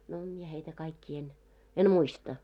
no minä heitä kaikkia en en muista